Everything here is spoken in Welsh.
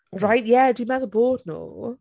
Right yeah dwi'n meddwl bod nhw.